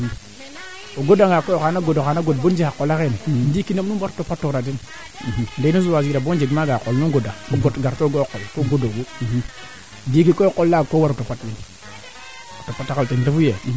maalo koy yee i moƴna ndef xa temba noong i nga'a ya'ke in a ngooxano yo meen ndaa kaa wañu ndiiki de tel sorte que raageer na yee projet ke mbiisiid na meen leŋ kene yit jambaa num kaa ngañ u ngañ yaam xaƴna gay naak we ga yaqana den n